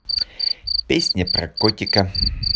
песня про котика